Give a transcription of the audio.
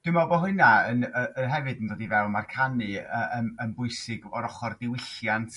Dwi me'l bo' hyna yn y hefyd yn dod i fewn ma' canu yn bwysig o'r ochr diwylliant.